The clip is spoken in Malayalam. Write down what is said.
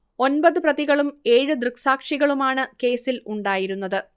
ഒൻപത് പ്രതികളും ഏഴ് ദൃക്സാക്ഷികളുമാണ് കേസിൽ ഉണ്ടായിരുന്നത്